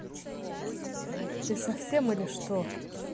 ты совсем или что